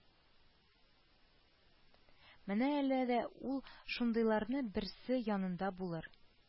Менә әле дә ул шундыйларның берсе янында булып